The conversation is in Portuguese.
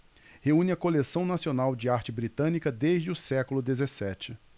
reúne a coleção nacional de arte britânica desde o século dezessete